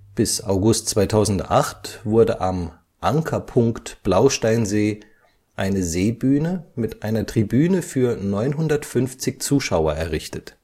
Bis August 2008 wurde am „ Ankerpunkt Blausteinsee “eine Seebühne mit einer Tribüne für 950 Zuschauer errichtet